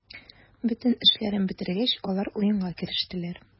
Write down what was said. Бөтен эшләрен бетергәч, алар уенга керештеләр.